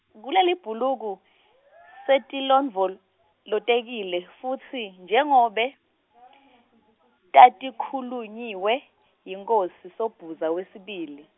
kulelibhuluku, setilondvol- -lotekile, futsi, njengobe, tatikhulunyiwe, yinkhosi Sobhuza wesibili.